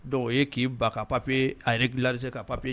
Dɔnku o ye k'i ba ka papiye a'la se ka papiye